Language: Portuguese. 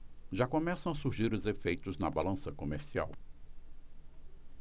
já começam a surgir os efeitos na balança comercial